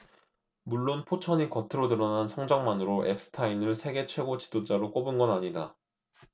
물론 포천이 겉으로 드러난 성적만으로 엡스타인을 세계 최고 지도자로 꼽은 건 아니다